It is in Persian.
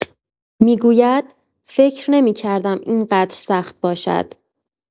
می‌گوید: «فکر نمی‌کردم این‌قدر سخت باشد.»